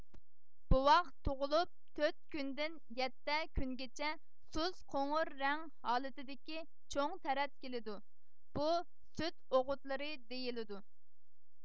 بوۋاق تۇغۇلۇپ تۆت كۈندىن يەتتە كۈنگىچە سۇس قوڭۇر رەڭ ھالىتىدىكى چوڭ تەرەت كېلىدۇ بۇ سۈت ئوغۇتلىرى دېيىلىدۇ